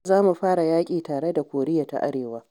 “Da za mu fara yaƙi tare da Koriya ta Arewa.